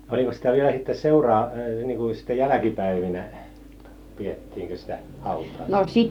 olikos sitä vielä sitten - niin kuin sitten jälkipäivinä pidettiinkös sitä hautajaisia